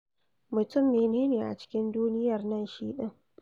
Mutum: "Mene ne a cikin duniyar nan shi ɗin?"